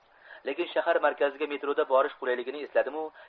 lekin shahar markaziga metroda borish qulayligini esladimu